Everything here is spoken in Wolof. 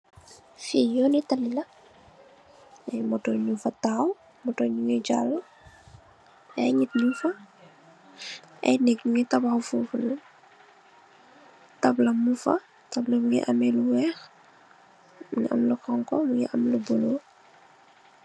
Fee yoone talih la aye motou nugfa yahaw motou ye nuge jale aye neete nugfa aye neek muge tabaxu fofunon tabla mugfa muge ameh lu weex muge am lu xonxo muge am lu bulo.